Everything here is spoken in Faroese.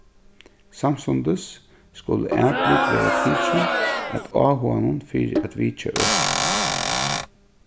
samstundis skulu atlit verða tikin at áhuganum fyri at vitja økið